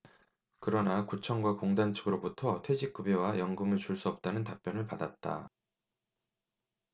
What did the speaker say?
그러나 구청과 공단 측으로부터 퇴직급여와 연금을 줄 수 없다는 답변을 받았다